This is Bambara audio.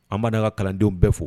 Anba ka kalandenw bɛɛ fo